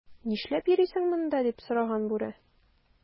"нишләп йөрисең монда,” - дип сораган бүре.